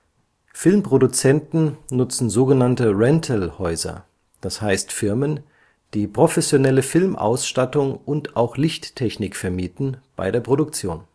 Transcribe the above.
Filmproduzenten nutzen sogenannte „ Rental “- Häuser (d. h. Firmen, die professionelle Film-Ausstattung und auch Lichttechnik vermieten) bei der Produktion